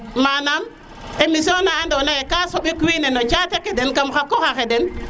manan émission na ando na ye ka soɓik wiin we kam cate ke den kam xa qoxa xe den